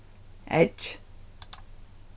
edge